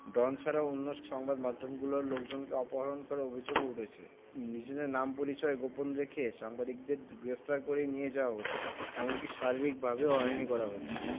ডন ছাড়াও অন্য সংবাদ মাধ্যমগুলোর লোকজনকে অপহরণ করারও অভিযোগ উঠেছে নিজেদের নাম পরিচয় গোপন রেখে সাংবাদিকদের গ্রেপ্তার করে নিয়ে যাওয়া হচ্ছে এমনকি শারীরিকভাবেও হয়রানি করা হচ্ছে